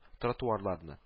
Тротуарларны